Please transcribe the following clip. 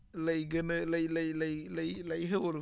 lay gën a lay lay lay lay lay xéwlu